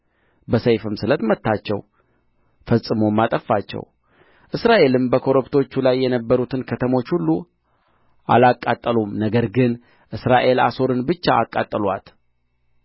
በሰይፍም ስለት መታቸው ፈጽሞም አጠፋቸው እስራኤልም በኮረብቶቹ ላይ የነበሩትን ከተሞች ሁሉ አላቃጠሉም ነገር ግን እስራኤል አሶርን ብቻ አቃጠሉአት